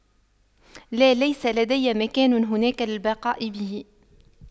لا ليس لدي مكان هناك للبقاء به